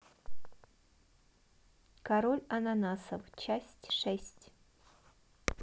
король ананасов часть шесть